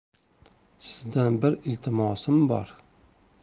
sizdan bir iltimosim bor